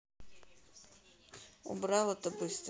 убрал это быстро